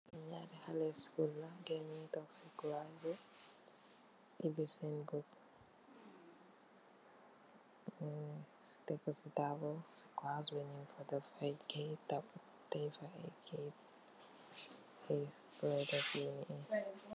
Xaleh school yui tog si class bi epi sen book tek ko si tabul si class bi tam nyun fa def ay keyt tay fa ay keyt.